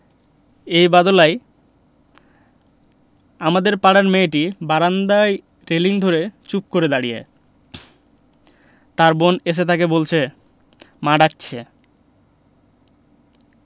এই বাদলায় আমাদের পাড়ার মেয়েটি বারান্দায় রেলিঙ ধরে চুপ করে দাঁড়িয়ে তার বোন এসে তাকে বলছে মা ডাকছে